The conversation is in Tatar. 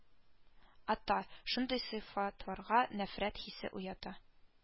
Ата, шундый сыйфатларга нәфрәт хисе уята